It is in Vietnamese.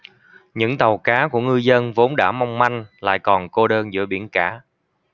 những tàu cá của ngư dân vốn đã mong manh lại còn cô đơn giữa biển cả